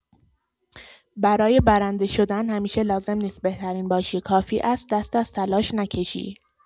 برای برنده شدن همیشه لازم نیست بهترین باشی، کافی است دست از تلاش نکشی.